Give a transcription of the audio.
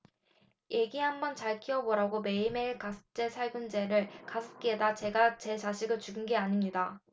애기 한번 잘 키워보려고 매일매일 가습기 살균제를 가습기에다가 제가 제 자식을 죽인 게 아닙니다